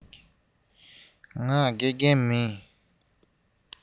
ང དགེ རྒན མིན